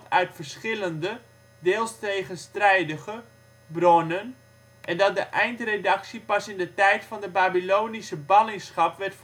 uit verschillende, deels tegenstrijdige, bronnen en dat de eindredactie pas in de tijd van de Babylonische ballingschap werd